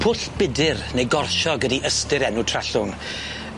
Pwll budur neu gorsiog ydi ystyr enw Trallwng.